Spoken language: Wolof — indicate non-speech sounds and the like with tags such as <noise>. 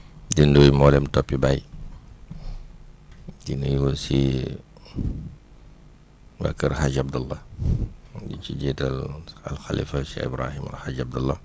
di nuyu mboolem topp i baay <breath> di nuyu aussi waa kër Hadj Abdalah <noise> di ci jiital Al Khalifa Cheikh Ibrahim Hadj Abdalah